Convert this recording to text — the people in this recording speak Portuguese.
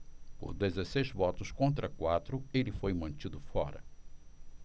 por dezesseis votos contra quatro ele foi mantido fora